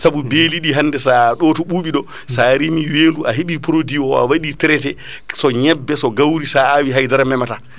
saabu beeliɗi hande sa ùe ɗo to ɓuuɓi ɗo sa reemi weedu a heɓi produit o a waɗi traité so ñebbe so gawri sa awi haydara memata